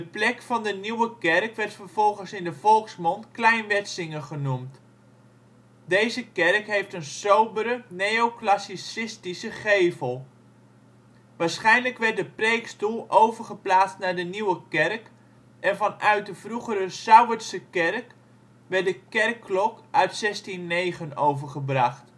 plek van de nieuwe kerk werd vervolgens in de volksmond Klein Wetsinge genoemd. Deze kerk heeft een sobere neoclassicistische gevel. Waarschijnlijk wwerd de preekstoel overgeplaatst naar de nieuwe kerk en vanuit de vroegere Sauwerdse kerk werd de kerkklok uit 1609 overgebracht